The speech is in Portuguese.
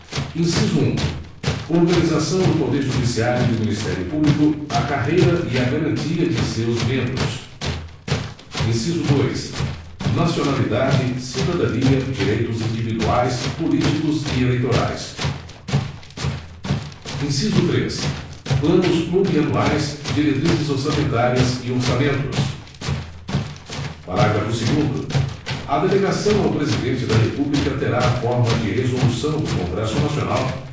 inciso um organização do poder judiciário e do ministério público a carreira e a garantia de seus membros inciso dois nacionalidade cidadania direitos individuais políticos e eleitorais inciso três planos plurianuais diretrizes orçamentárias e orçamentos parágrafo segundo a delegação ao presidente da república terá a forma de resolução do congresso nacional